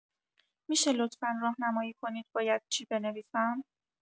می‌شه لطفا راهنمایی کنید باید چی بنویسم؟